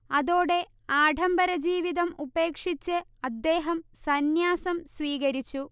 അതോടെ ആഢംബരജീവിതം ഉപേക്ഷിച്ച് അദ്ദേഹം സന്യാസം സ്വീകരിച്ചു